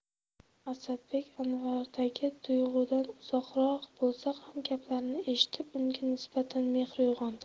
asadbek anvardagi tuyg'udan uzoqroq bo'lsa ham gaplarini eshitib unga nisbatan mehri uyg'ondi